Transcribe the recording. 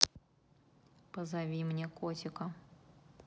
позови мне котика